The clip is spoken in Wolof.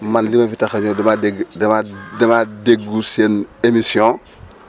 man li ma fi tax a ñëw dama dégg dama dégg seen émission